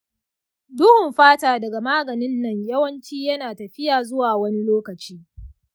duhun fata daga maganin nan yawanci yana tafiya zuwa wani lokaci.